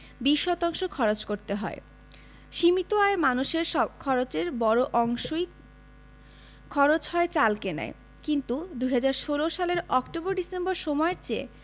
২০ শতাংশ খরচ করতে হয় সীমিত আয়ের মানুষের খরচের বড় অংশই খরচ হয় চাল কেনায় কিন্তু ২০১৬ সালের অক্টোবর ডিসেম্বর সময়ের চেয়ে